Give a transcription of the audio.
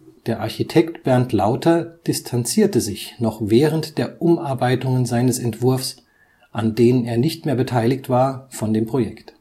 der Architekt Bernt Lauter distanzierte sich noch während der Umarbeitungen seines Entwurfs, an denen er nicht mehr beteiligt war, von dem Projekt